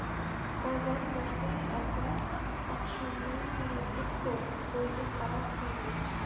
bozor borsang avval oqshomdan taraddud ko'r bo'yga qarab to'n bich